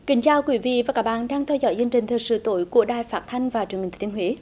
kính chào quý vị và các bạn đang theo dõi chương trình thời sự tối của đài phát thanh và truyền hình thiên huế